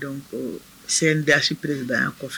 Ko sɛdasipere de bɛ yan kɔfɛ